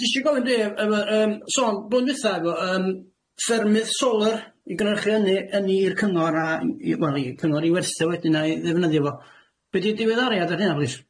O jyst isio gofyn dwi yy ma' yym sôn blwyddyn diwetha o yym ffermydd solar i gynhyrchu ynn- ynni i'r cyngor a m- i- wel i cyngor i werthu o wedyn a'i ddefnyddio fo. Be' di diweddariad ar hynna plîs?